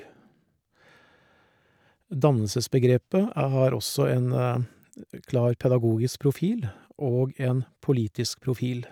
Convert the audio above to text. Dannelsesbegrepet e har også en klar pedagogisk profil og en politisk profil.